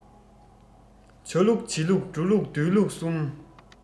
བྱ ལུགས བྱེད ལུགས འགྲོ ལུགས སྡོད ལུགས གསུམ